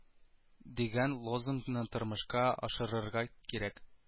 Дигән лозунгны тормышка ашырырга кирәк